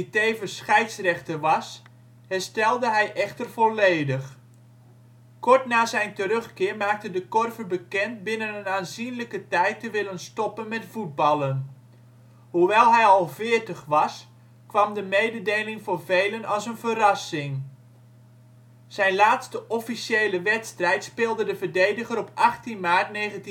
tevens scheidsrechter was, herstelde hij echter volledig. Kort na zijn terugkeer maakte De Korver bekend binnen aanzienlijke tijd te willen stoppen met voetballen. Hoewel hij al 40 was, kwam de mededeling voor velen als een verrassing. Zijn laatste officiële wedstrijd speelde de verdediger op 18 maart 1923